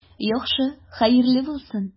Яхшы, хәерле булсын.